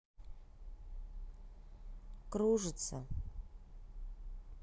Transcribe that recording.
кружится